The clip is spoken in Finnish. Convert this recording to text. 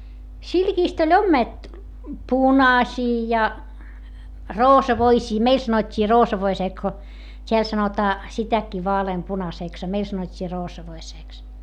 silkistä oli - punaisia ja roosavoisia meille sanottiin roosavoisia kun täällä sanotaan sitäkin vaaleanpunaiseksi a meillä sanottiin roosavoiseksi